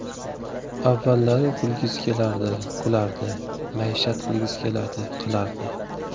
avvallari kulgisi kelardi kulardi maishat qilgisi kelardi qilardi